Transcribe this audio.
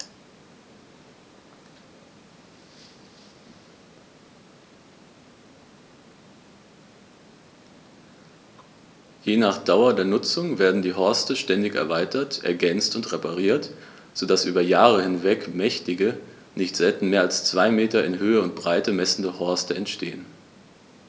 Je nach Dauer der Nutzung werden die Horste ständig erweitert, ergänzt und repariert, so dass über Jahre hinweg mächtige, nicht selten mehr als zwei Meter in Höhe und Breite messende Horste entstehen.